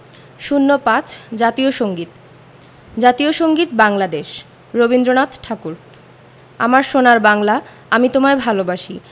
০৫ জাতীয় সংগীত জাতীয় সংগীত বাংলাদেশ রবীন্দ্রনাথ ঠাকুর আমার সোনার বাংলা আমি তোমায় ভালোবাসি